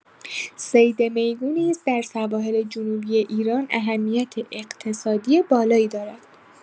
صید میگو نیز در سواحل جنوبی ایران اهمیت اقتصادی بالایی دارد.